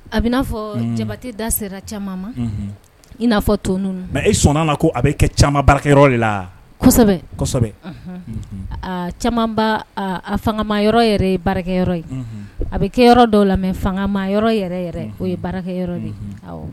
A bɛ n'a fɔ jamabati da sera caman ma i n'a fɔ toonun mɛ e sɔnna ko a bɛ kɛ cakɛ de la caman a fangama yɔrɔ yɛrɛ ye baarakɛ ye a bɛ kɛ yɔrɔ dɔw la mɛ fangama yɔrɔ o ye baarakɛ de ye